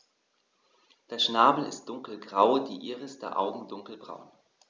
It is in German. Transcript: Der Schnabel ist dunkelgrau, die Iris der Augen dunkelbraun.